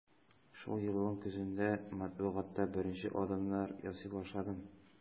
Шул елның көзендә матбугатта беренче адымнар ясый башладым.